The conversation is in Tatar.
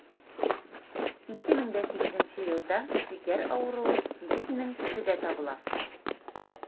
2008 елда шикәр авыруы 8 мең кешедә табыла.